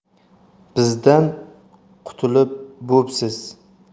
bizdan qutulib bo'psiz